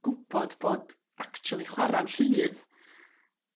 gw'bod bod actiwali chwara'n rhydd